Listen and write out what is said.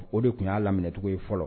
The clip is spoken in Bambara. O de tun y'a laminɛcogo ye fɔlɔ